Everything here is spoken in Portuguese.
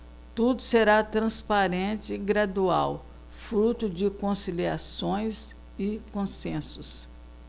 tudo será transparente e gradual fruto de conciliações e consensos